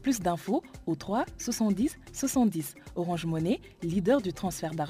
Pfo o tɔgɔdi ssɔndi osɔnnen lidi de tɔnfi